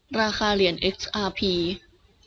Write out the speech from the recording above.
ราคาเหรียญเอ็กอาร์พี